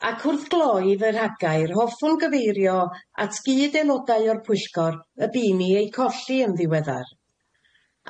Ac wrth gloi fy rhagair hoffwn gyfeirio at gyd-elodau o'r Pwyllgor y bu i mi eu colli yn ddiweddar.